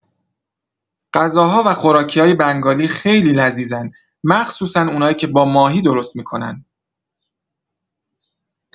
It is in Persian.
غذاها و خوراکیای بنگالی خیلی لذیذن، مخصوصا اونایی که با ماهی درست می‌کنن.